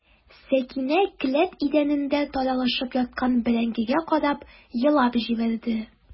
Сәкинә келәт идәнендә таралышып яткан бәрәңгегә карап елап җибәрде.